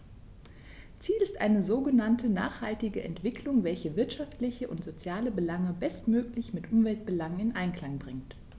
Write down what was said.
Ziel ist eine sogenannte nachhaltige Entwicklung, welche wirtschaftliche und soziale Belange bestmöglich mit Umweltbelangen in Einklang bringt.